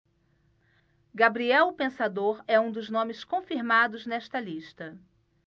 gabriel o pensador é um dos nomes confirmados nesta lista